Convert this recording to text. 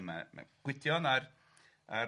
a mae Gwydion a'r a'r